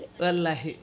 wallahi